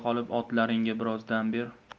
qolib otlaringga biroz dam ber